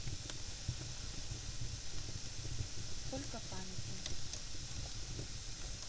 сколько памяти